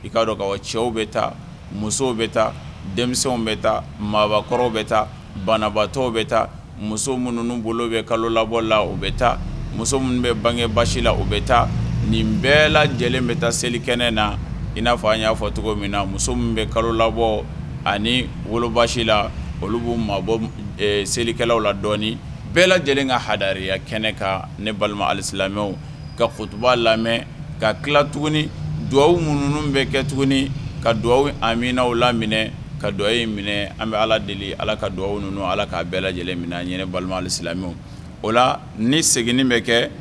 I k'a dɔn ka cɛw bɛ taa musow bɛ taa denmisɛnww bɛ taa mabɔkɔrɔw bɛ taa banabaatɔw bɛ taa muso minnu bolo bɛ kalo labɔla u bɛ taa muso minnu bɛ bangebasila u bɛ taa nin bɛɛ lajɛlen bɛ taa selikɛnɛ na i n'a fɔ an y'a fɔ cogo min na muso min bɛ kalo labɔ ani woloba la olu bɛu maa selikɛlaw la dɔn bɛɛ lajɛlen ka hareya kɛnɛ ka ne balima alisi lamɛnw ka koto lamɛn ka ki tuguni du minnu bɛ kɛ tuguni ka du a mininaaw la lam minɛ ka dugawu in minɛ an bɛ ala deli ala ka dugawu ninnu ala k'a bɛɛ lajɛlen mina ɲ balima alisila o la ni seginni bɛ kɛ